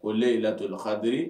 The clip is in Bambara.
Ko layilatulikadiri